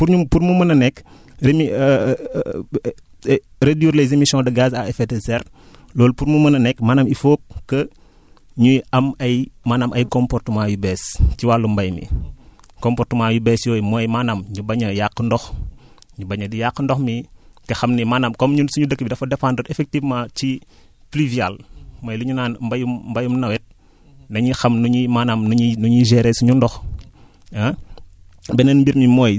maanaam loolu pour ñu pour mu mën a nekk dañuy réduire les émissions de gaz à effet de serre loolu pour mu mun a nekk maanaam il faut que ñuy am ay maanaam ay comportement yu bees ci wàllu mbay mi comportement yu bees yooyu mooy maanaam ñu bañ a yàq ndox ñu bañ a di yàq ndox mi te xam ni maanaam comme ñun suñu dëkk bi dafa dépendre effectivement ci pluvial mooy li ñu naan mbayum mbayum nawet na ñuy xam nu ñuy maanaam nu ñuy nu ñuy gérer suñu ndox ah